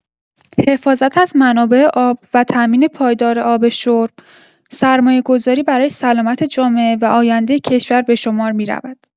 حفاظت از منابع آب و تأمین پایدار آب شرب، سرمایه‌گذاری برای سلامت جامعه و آینده کشور به شمار می‌رود.